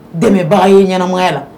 Dɛmɛbaga ye ɲɛnamɔgɔya la